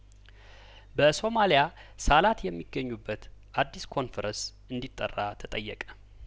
በሶማሊያ ሳላት የሚገኙበት አዲስ ኮንፍረንስ እንዲጠራ ተጠየቀ